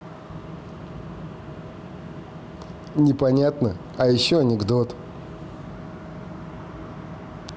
непонятно а еще анекдот